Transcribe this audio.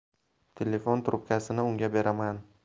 telefon trubkasini unga beraman